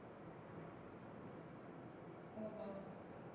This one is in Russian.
оба